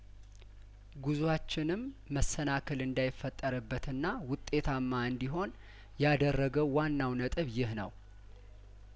ጉዟችንም መሰናክል እንዳይፈጠርበትና ውጤታማ እንዲሆን ያደረገው ዋናው ነጥብ ይህ ነው